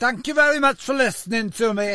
Thank you very much for listening to me.